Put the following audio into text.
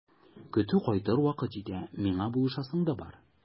Көтү кайтыр вакыт җитә, миңа булышасың да бар.